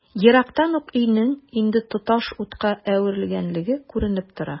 Ерактан ук өйнең инде тоташ утка әверелгәнлеге күренеп тора.